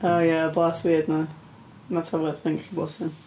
O ie, y blas weird 'na mae tafod chdi'n gallu blasu